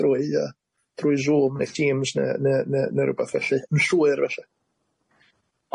drwy yy drwy Zoom neu Teams ne' ne' ne' ne' rwbath felly yn llwyr felly.